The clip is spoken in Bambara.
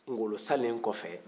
n'golo salen kɔfɛ